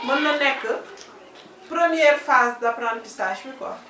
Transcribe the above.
mën na nekk première phase d' apprentissage bi quoi